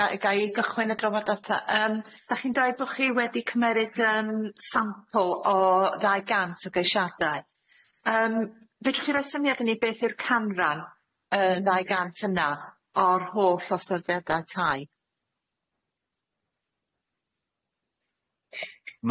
Ga- ga' i gychwyn y drafodath ta? Yym dach chi'n deu bo chi wedi cymeryd yym sampl o ddau gant o geishiada yym fedrwch chi roi syniad i ni beth yw'r canran y ddau gant yna o'r holl ostyrediadau tai?